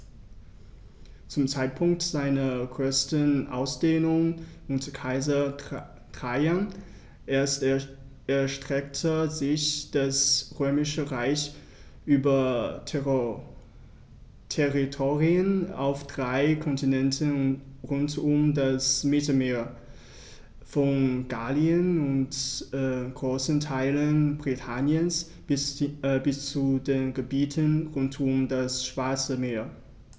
Zum Zeitpunkt seiner größten Ausdehnung unter Kaiser Trajan erstreckte sich das Römische Reich über Territorien auf drei Kontinenten rund um das Mittelmeer: Von Gallien und großen Teilen Britanniens bis zu den Gebieten rund um das Schwarze Meer.